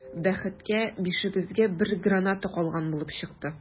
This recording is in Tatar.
Бәхеткә, бишебезгә бер граната калган булып чыкты.